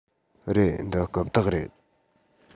རེད འདི རྐུབ སྟེགས རེད